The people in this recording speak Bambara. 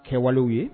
Kɛwale ye